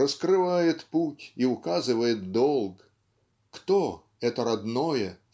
раскрывает путь и указывает долг кто это родное